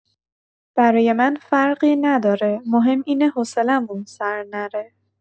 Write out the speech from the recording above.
برای من فرقی نداره، مهم اینه حوصله‌مون سر نره.